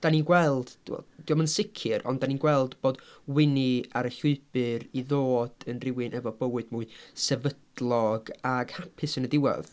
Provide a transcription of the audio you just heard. Dan ni'n gweld, d- wel 'di o'm yn sicr, ond dan ni'n gweld bod Wini ar y llwybr i ddod yn rywun efo bywyd mwy sefydlog ac hapus yn y diwedd.